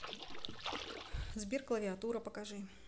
сбер клавиатура покажи